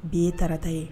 Bi ye tata ye